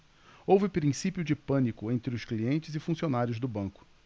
houve princípio de pânico entre os clientes e funcionários do banco